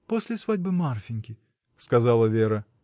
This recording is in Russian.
— После свадьбы Марфиньки, — сказала Вера.